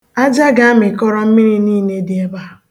Aja ga-amịkọrọ mmiri niile dị ebe a